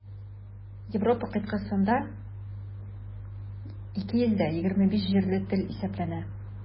Европа кыйтгасында 225 җирле тел исәпләнә.